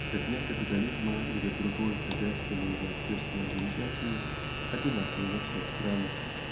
как нет капитализма или другой хозяйственной или общественной организации одинаковой во всех странах.